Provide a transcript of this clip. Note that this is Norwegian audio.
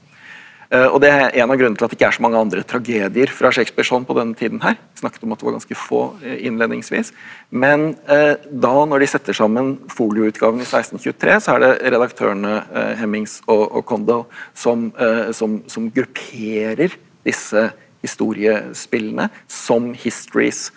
og det er en av grunnene til at det ikke er så mange andre tragedier fra Shakespeare sånn på denne tiden her snakket om at et var ganske få innledningsvis men da når de setter sammen Folioutgaven i 1623 så er det redaktørene Heminges og Condell som som som grupperer disse historiespillene som .